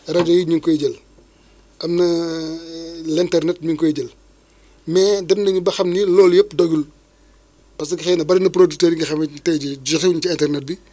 rajo yi ñu ngi koy jël am na l' internet mi ngi koy jël mais dem nañu ba xam ni loolu yëpp doyul parce que xëy na bëri na producteurs yi xam ni tey jii jote wuñ ci internet bi